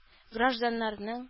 Гражданнарның